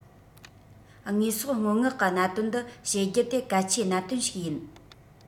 དངོས ཟོག སྔོན མངག གི གནད དོན འདི བྱེད རྒྱུ དེ གལ ཆེའི གནད དོན ཞིག ཡིན